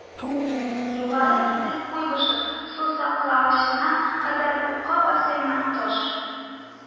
(югары) идел куйбышев сусаклагычына кадәр (ука бассейныннан тыш)